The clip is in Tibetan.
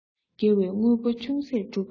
དགེ བའི དངོས པོ ཅུང ཟད སྒྲུབ པ